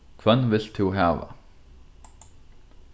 hvønn vilt tú hava